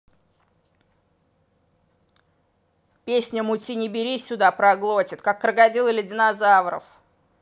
песня мути не бери сюда проглотит как крокодил или динозавров